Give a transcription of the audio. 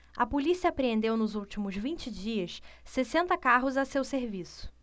a polícia apreendeu nos últimos vinte dias sessenta carros a seu serviço